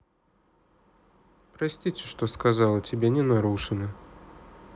простите что сказала тебе не нарушено